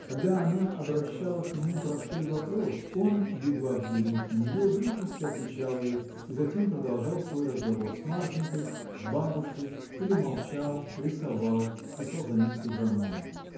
Когда она обращала к нему простой вопрос, он, едва взглянув на нее, дружески отвечал ей и затем продолжал свой разговор с Марфинькой, с бабушкой или молчал, рисовал, писал заметки в роман.